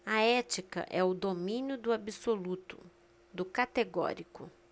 a ética é o domínio do absoluto do categórico